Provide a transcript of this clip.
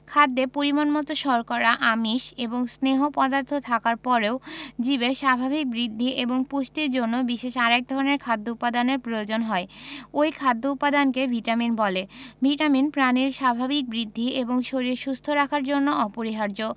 খাদ্যে পরিমাণমতো শর্করা আমিষ এবং স্নেহ পদার্থ থাকার পরেও জীবের স্বাভাবিক বৃদ্ধি এবং পুষ্টির জন্য বিশেষ আরেক ধরনের খাদ্য উপাদানের প্রয়োজন হয় ঐ খাদ্য উপাদানকে ভিটামিন বলে ভিটামিন প্রাণীর স্বাভাবিক বৃদ্ধি এবং শরীর সুস্থ রাখার জন্য অপরিহার্য